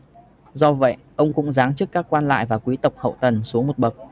do vậy ông cũng giáng chức các quan lại và quý tộc hậu tần xuống một bậc